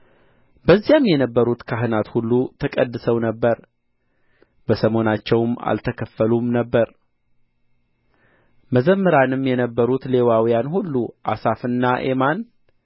በዚያም የነበሩት ካህናት ሁሉ ተቀድሰው ነበር በሰሞናቸውም አልተከፈሉም ነበር መዘምራንም የነበሩት ሌዋውያን ሁሉ አሳፍና ኤማን